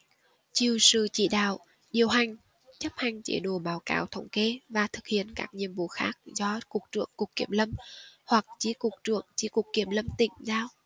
chịu sự chỉ đạo điều hành chấp hành chế độ báo cáo thống kê và thực hiện các nhiệm vụ khác do cục trưởng cục kiểm lâm hoặc chi cục trưởng chi cục kiểm lâm tỉnh giao